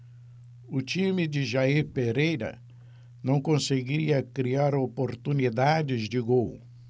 o time de jair pereira não conseguia criar oportunidades de gol